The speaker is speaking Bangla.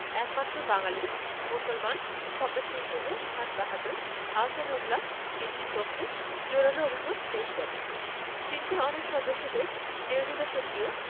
একমাত্র বাঙালি মুসলমান সদস্য হিসেবে খান বাহাদুর আহসানউল্লাহ বিলটির পক্ষে জোরালো অভিমত পেশ করেন সিনেটের অনেক সদস্যদের বিরোধিতা সত্ত্বেও